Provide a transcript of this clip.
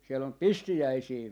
siellä on pistiäisiä